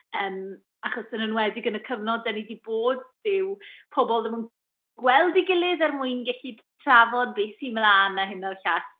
Yym, achos yn enwedig yn y cyfnod dan ni 'di bod, dyw pobl ddim yn gweld ei gilydd er mwyn gallu trafod be sy mlaen a hyn a'r llall.